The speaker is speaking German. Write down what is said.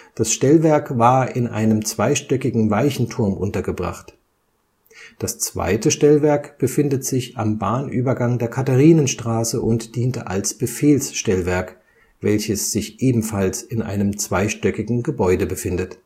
Das Stellwerk war in einem zweistöckigen Weichenturm untergebracht. Das zweite Stellwerk befindet sich am Bahnübergang der Katharinenstraße und diente als Befehlsstellwerk, welches sich ebenfalls in einem zweistöckigen Gebäude befindet